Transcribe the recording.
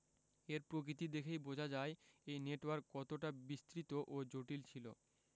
এর প্রকৃতি দেখেই বোঝা যায় এই নেটওয়ার্ক কতটা বিস্তৃত ও জটিল ছিল